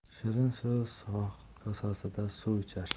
shirin so'zh shoh kosasida suv ichar